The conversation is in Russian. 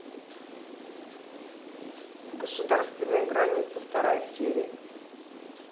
государственная граница вторая серия